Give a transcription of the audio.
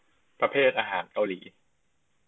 ประเภทอาหารเกาหลี